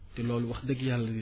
te loolu wax dëgg Yàlla ni